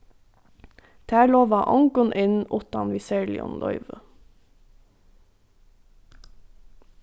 tær lova ongum inn uttan við serligum loyvi